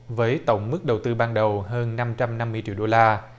với tổng mức đầu tư ban đầu hơn năm trăm năm mươi trịu đô la